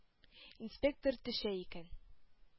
Инспектор төшә икән.